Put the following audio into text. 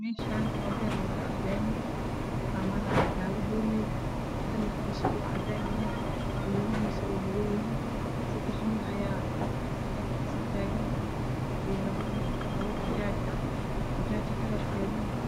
Meshaan waa mel wada ah lami waxaa maraya gari homey kalarkisa cadan yahay lugahiisa madow yahy sedax nin ayaa agtiisa tagan iyo laba bajaj ah bajaj keduma waa